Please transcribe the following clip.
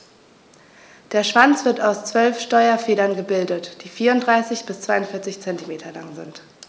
Der Schwanz wird aus 12 Steuerfedern gebildet, die 34 bis 42 cm lang sind.